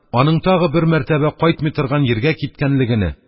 Аның тагы бер мәртәбә кайтмый торган йиргә киткәнлегене,